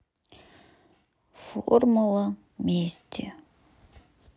формула мести